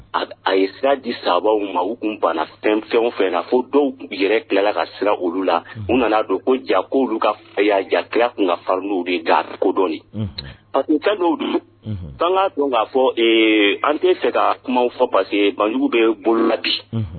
A ye sira di sababuw ma u tun bana fɛn fɛnw fɛ na fɔ dɔw tun yɛrɛ tilala ka sira olu la u nana'a don ko ja ko olu ka y'a ja kira tun ka farar de da ko dɔ a tuntaw dun fanga tun k'a fɔ an tɛ se ka kuma fɔ parce que banjugu bɛ bolo la bi